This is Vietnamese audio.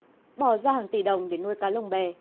bỏ ra hàng tỷ đồng để nuôi cá lồng bè